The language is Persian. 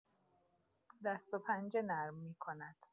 دست‌وپنجه نرم می‌کند.